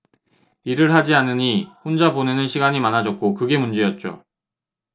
일을 하지 않으니 혼자 보내는 시간이 많아졌고 그게 문제였죠